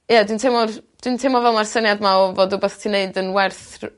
ie dwi'n teimlo'r dwi'n teimlo fel mae'r syniad 'ma o fod wbath ti'n neud yn werth rw-